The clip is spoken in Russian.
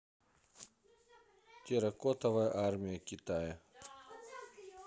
терракотовая армия китая